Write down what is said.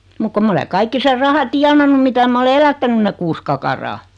mutta kun minä olen kaikki sen rahan tienannut mitä minä olen elättänyt ne kuusi kakaraa